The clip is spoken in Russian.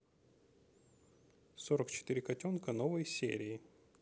сорок четыре котенка новые серии